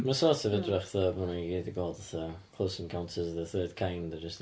Mae o sort of edrych fatha bo' nhw i gyd 'di gweld fatha Close Encounters of the Third Kind a jyst...